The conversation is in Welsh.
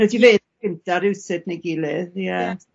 raid ti feddwl gynta rywsut neu gilydd ie.